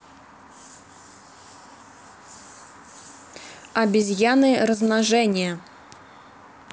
обезьяны размножение